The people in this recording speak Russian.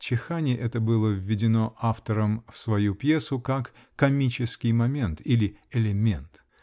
чиханье это было введено автором в свою пьесу, как "комический момент" или "элемент"